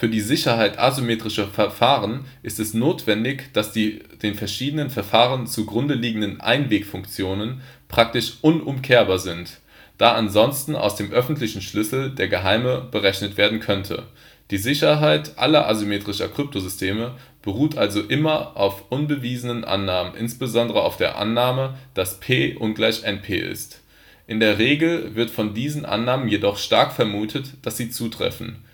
die Sicherheit asymmetrischer Verfahren ist es notwendig, dass die den verschiedenen Verfahren zugrundeliegenden Einwegfunktionen praktisch unumkehrbar sind, da ansonsten aus dem öffentlichen Schlüssel der geheime berechnet werden könnte. Die Sicherheit aller asymmetrischen Kryptosysteme beruht also immer auf unbewiesenen Annahmen, insbesondere auf der Annahme, dass P ungleich NP ist. In der Regel wird von diesen Annahmen jedoch stark vermutet, dass sie zutreffen